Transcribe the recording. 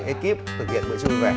ê kíp thực hiện bữa trưa vui vẻ